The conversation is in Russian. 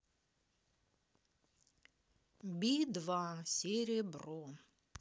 би два серебро